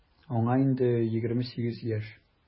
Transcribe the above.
Аңа инде 28 яшь.